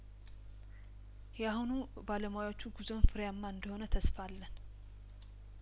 የአሁኑ ባለሙያዎቹ ጉዞም ፍሬያማ እንደሚሆን ተስፋ አለን